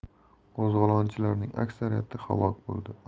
qo'zg'olonchilarning aksariyati halok bo'ldi